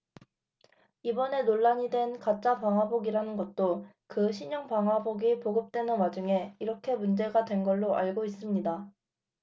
이번에 논란이 된 가짜 방화복이라는 것도 그 신형 방화복이 보급되는 와중에 이렇게 문제가 된 걸로 알고 있습니다